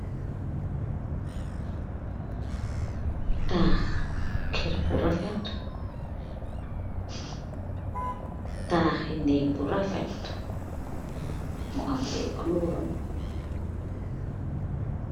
taah yi nehk nu rafet.